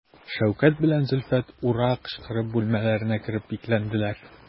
Шәүкәт белән Зөлфәт «ура» кычкырып бүлмәләренә кереп бикләнделәр.